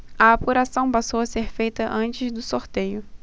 a apuração passou a ser feita antes do sorteio